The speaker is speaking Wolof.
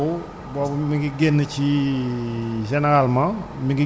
mais boobu ci ban période lay faral di génn bokkut ak bii ni muy génnee ci maanaam bu tawee ñaari